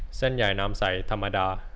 เส้นใหญ่น้ำใสธรรมดา